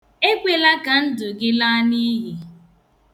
Ekwela ka ndụ gị laa n'ihi.